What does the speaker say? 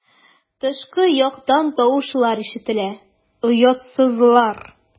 Тышкы яктан тавышлар ишетелә: "Оятсызлар!"